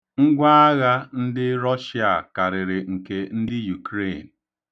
Ngwaagha ndị Rọshịa karịrị nke ndị Yukreeni.